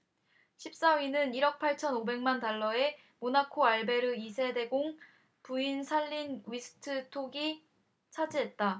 십 사 위는 일 억 팔천 오백 만 달러의 모나코 알베르 이 세 대공 부인 샬린 위트스톡이 차지했다